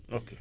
ok